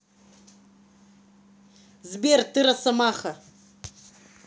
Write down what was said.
сбер ты росомаха